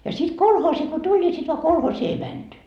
ja sitten kolhoosi kun tuli niin sitten vaan kolhoosiin ei menty